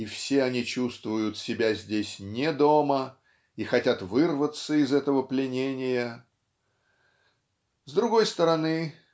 и все они чувствуют себя здесь не дома и хотят вырваться из этого пленения. С другой стороны